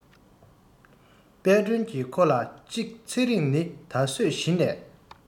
དཔལ སྒྲོན གྱིས ཁོ ལ གཅིག ཚེ རིང ནི ད གཟོད གཞི ནས